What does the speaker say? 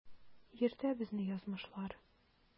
Йөртә безне язмышлар.